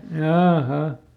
jaaha